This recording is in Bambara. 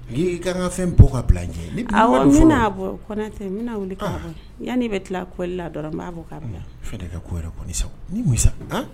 N garanganfɛn bɔ ka bila jɛ bɔ yanani bɛ tila kɔli la dɔrɔn n b'a bɔ' kosasa